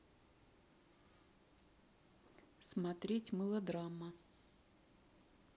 смотреть мылодрама